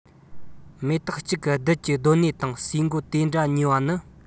མེ ཏོག གཅིག གི རྡུལ གྱི སྡོད གནས དང ཟེ མགོ དེ འདྲ ཉེ བ ནི